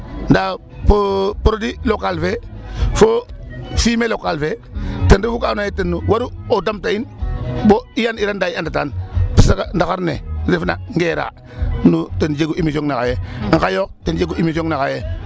Nda produit locale fe fo fumée locale fe ten refu ka andoona yee ten waru o damta in bo i andiran ndaa i andatan parce que ndaxar ne refangeerna no ten jegu émission ne xaye Nqayoox ten jegu émission ne xaye